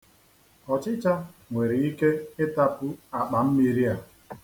Ọchịchịa nwere ike ịtapụ akpa mmiri a.